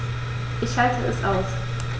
Ich schalte es aus.